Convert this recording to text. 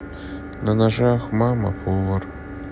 на ножах мама повар